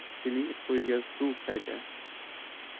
echkili qo'yga suv qayda